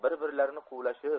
bir birlarini quvlashib